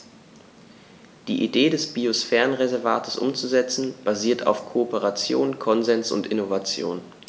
Die Idee des Biosphärenreservates umzusetzen, basiert auf Kooperation, Konsens und Innovation.